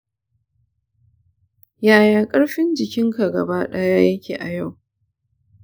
yaya karfin jikinka gaba daya yake a yau?